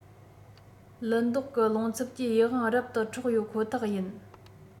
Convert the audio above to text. ལི མདོག གི རླུང འཚུབ ཀྱིས ཡིད དབང རབ ཏུ འཕྲོག ཡོད ཁོ ཐག ཡིན